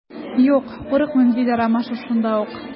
Юк, курыкмыйм, - диде Ромашов шунда ук.